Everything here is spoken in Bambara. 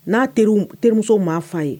N'a terimuso maa fa ye